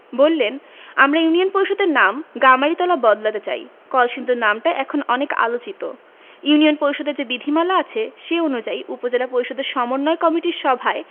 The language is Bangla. বললেন আমরা ইউনিয়ন পরিষদের নাম গামারিতলা বদলাতে চাই কলসিন্দুর নামটা এখন অনেক আলোচিত ইউনিয়ন পরিষদের যে বিধিমালা আছে সে অনুযায়ী উপজেলা পরিষদের সমন্বয় কমিটির সভায়